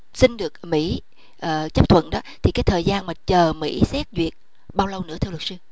xin được mỹ ờ chấp thuận đó thì cái thời gian mà chờ mỹ xét duyệt bao lâu nữa thưa luật sư